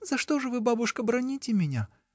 — За что же вы, бабушка, браните меня?